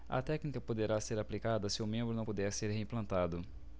a técnica poderá ser aplicada se o membro não puder ser reimplantado